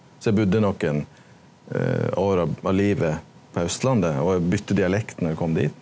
så eg budde nokon år av livet på Austlandet og eg bytta dialekt når eg kom dit.